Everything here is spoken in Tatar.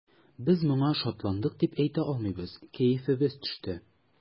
Без моңа шатландык дип әйтә алмыйбыз, кәефебез төште.